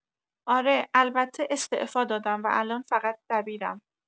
آره، البته استعفا دادم و الان فقط دبیرم